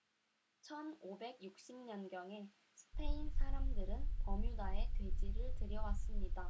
천 오백 육십 년경에 스페인 사람들은 버뮤다에 돼지를 들여왔습니다